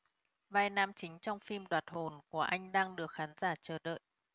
vai nam chính trong phim đoạt hồn của anh đang được khán giả chờ đợi